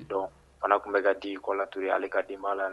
Dɔn fana tun bɛ ka d di kɔ latur ye ale ka di' la